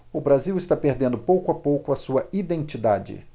o brasil está perdendo pouco a pouco a sua identidade